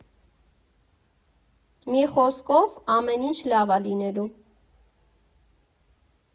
Մի խոսքով, ամեն ինչ լավ ա լինելու։